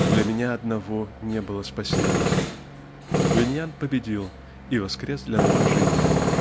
Для меня одного не было спасения!" Бёниан победил и воскрес для новой жизни.